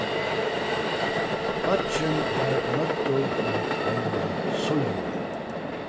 beiggin varð noyddur at velja síðu